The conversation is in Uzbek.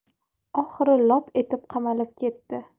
oxiri lop etib qamalib ketdi